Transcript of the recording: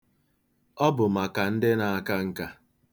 Ọ bụ maka ndị na-aka nka.